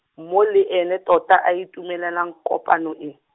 mo le ene tota a itumelela kopano e.